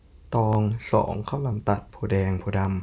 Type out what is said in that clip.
ตองสองข้าวหลามตัดโพธิ์แดงโพธิ์ดำ